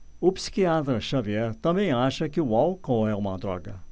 o psiquiatra dartiu xavier também acha que o álcool é uma droga